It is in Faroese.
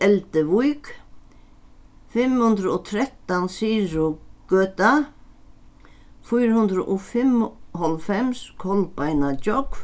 elduvík fimm hundrað og trettan syðrugøta fýra hundrað og fimmoghálvfems kolbeinagjógv